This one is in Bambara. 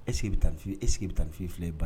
E sigi i bɛ tan e sigi bɛ tan ni f fi filɛ ye